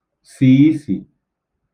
sì isì